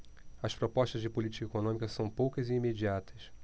as propostas de política econômica são poucas e imediatas